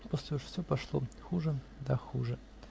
После уж все пошло хуже да хуже.